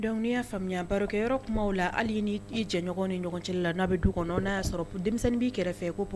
Donc n'i n y'a faamuya barokɛyɔrɔ kumaw la hali i ni i jɛɲɔgɔnw ni ɲɔgɔn cɛla la' n'a bɛ du kɔnɔ n'a y'a sɔrɔ denmisɛnnin b'i kɛrɛfɛ ko